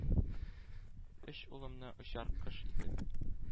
— өч улымны, очар кош итеп,